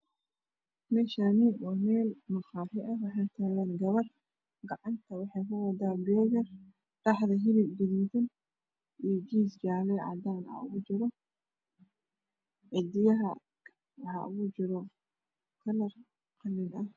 Meshaani waa meel maqaaxi ah waxaa tagan gabar gacanat waxey ku watadaa begar dhaxad hilib gaduudan iyo jiis jaalo iyo cadaan ug jiro cidiyaha waxaa ugu jiro kalar madow ah